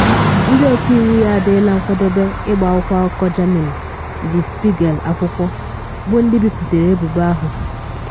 Ndị ọka iwu ya adịla nkwadobe ịgba akwụkwọ akụkọ Germany, Der Spiegel akwụkwọ, bụ ndị biputara ebubo ahụ.